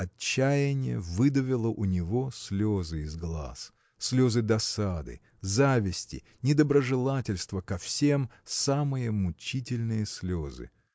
Отчаяние выдавило у него слезы из глаз – слезы досады зависти недоброжелательства ко всем самые мучительные слезы.